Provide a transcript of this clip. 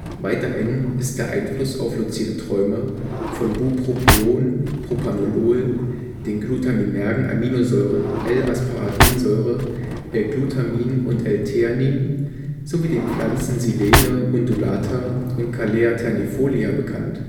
Weiterhin ist der Einfluss auf luzide Träume von Bupropion, Propranolol, den glutaminergen Aminosäuren L-Asparaginsäure, L-Glutamin und L-Theanin, sowie den Pflanzen Silene undulata und Calea ternifolia bekannt